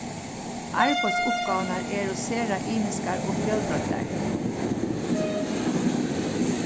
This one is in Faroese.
arbeiðsuppgávurnar eru sera ymiskar og fjølbroyttar